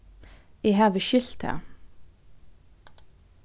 eg havi skilt tað